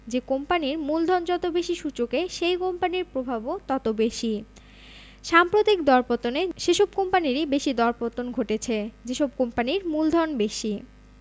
যে কোম্পানির মূলধন যত বেশি সূচকে সেই কোম্পানির প্রভাবও তত বেশি সাম্প্রতিক দরপতনে সেসব কোম্পানিরই বেশি দরপতন ঘটেছে যেসব কোম্পানির মূলধন বেশি